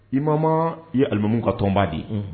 I ma ma i alilimamu ka tɔnonba de ye